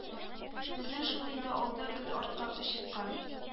Безнең шул инде алда гөл артта кычыткан